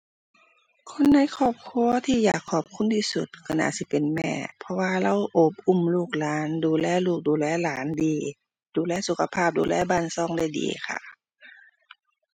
คนในครอบครับที่อยากขอบคุณที่สุดก็น่าสิเป็นแม่ เพราะว่าเลาโอบอุ้มลูกหลาน ดูแลลูก ดูแลหลานดี ดูแลสุขภาพ ดูแลบ้านก็ได้ดีค่ะ